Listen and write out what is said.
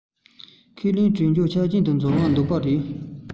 ཁས ལེན དྲོར ཆ རྐྱེན འཛོམས འདུག པ རེད